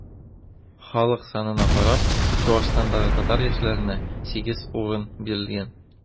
Халык санына карап, Чуашстандагы татар яшьләренә 8 урын бирелгән.